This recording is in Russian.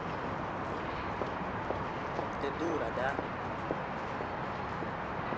ты дура da